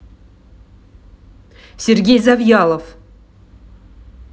сергей завьялов